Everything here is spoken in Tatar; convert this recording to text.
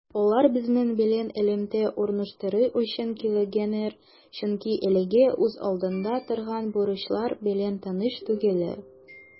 Алар безнең белән элемтә урнаштыру өчен килгәннәр, чөнки әлегә үз алдында торган бурычлар белән таныш түгелләр.